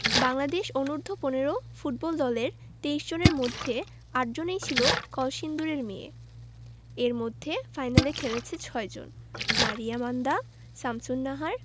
বাংলাদেশ অনূর্ধ্ব ১৫ ফুটবল দলের ২৩ জনের মধ্যে ৮ জনই ছিল কলসিন্দুরের মেয়ে এর মধ্যে ফাইনালে খেলেছে ৬ জন মারিয়া মান্দা শামসুন্নাহার